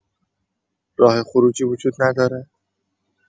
راه خروجی وجود نداره؟